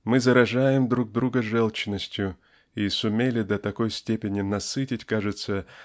Мы заражаем друг друга желчностью и сумели до такой степени насытить кажется